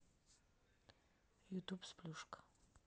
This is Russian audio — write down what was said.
ютуб сплюшка